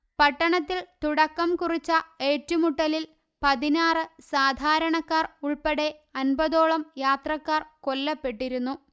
പട്ടണത്തിൽ തുടക്കം കുറിച്ച ഏറ്റുമുട്ടലിൽ പതിനാറ് സാധാരണക്കാർ ഉൾപ്പെടെ അന്പതോളം യാത്രക്കാർ കൊല്ലപ്പെട്ടിരുന്നു